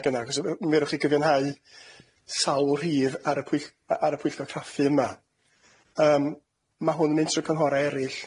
Dwi'n agor y bleidlais ŵan.